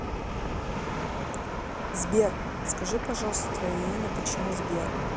сбер скажи пожалуйста твое имя почему сбер